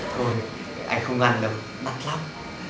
thôi anh không ăn đâu đắt lắm